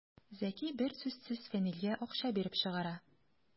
Зәки бер сүзсез Фәнилгә акча биреп чыгара.